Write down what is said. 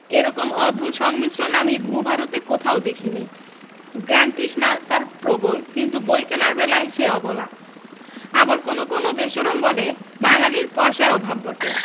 এরকম অদ্ভুত সংমিশ্রণ আমি ভূ ভারতে কোথাও দেখি নি জ্ঞানতৃষ্ণা তার প্রবল কিন্তু বই কেনার বেলা সে অবলা আবার কোনো কোনো বেশরম বলে বাঙালীর পয়সার অভাব বটে